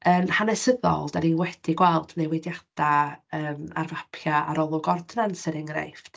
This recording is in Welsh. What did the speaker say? Yn hanesyddol, dan ni wedi gweld newidiadau yym ar fapiau arolwg ordnans, er enghraifft.